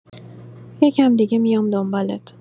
یکم دیگه میام دنبالت.